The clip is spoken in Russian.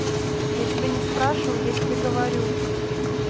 я тебя не спрашиваю я тебе говорю